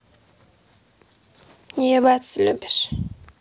ебаться любишь